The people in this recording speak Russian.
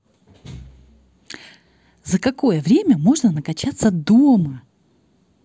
за какое время можно накачаться дома